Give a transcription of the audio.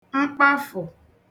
mkpafụ̀